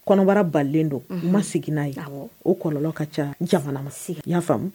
Kɔnɔbara balen don n ma seginna n'a yen o kɔlɔnlɔ ka ca jamana ma sigi n y'a faamuyamu